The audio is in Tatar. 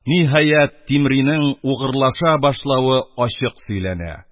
Ниһаять, тимринең угырлаша башлавы ачык сөйләнә